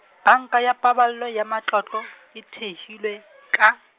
Banka ya Paballo ya Matlotlo, e theilwe ka.